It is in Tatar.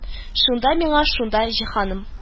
Шунда миңа, шунда, җиһаным